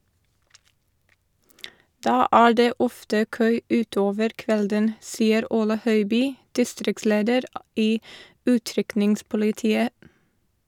Da er det ofte kø utover kvelden, sier Ole Høiby, distriktsleder i utrykningspolitiet.